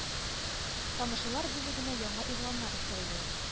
Танышулар бүлегенә яңа игъланнар өстәлде.